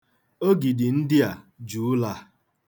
Ogidi ndị a ji ụlọ a.